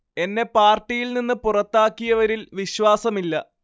എന്നെ പാർട്ടിയിൽ നിന്ന് പുറത്താക്കിയവരിൽ വിശ്വാസമില്ല